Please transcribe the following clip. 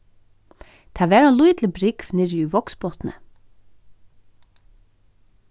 tað var ein lítil brúgv niðri í vágsbotni